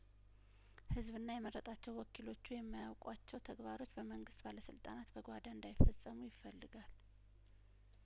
ህዝብና የመረጣቸው ወኪሎቹ የማያውቋቸው ተግባሮች በመንግስት ባለስልጣናት በጓዳ እንዳይፈጸሙ ይፈልጋል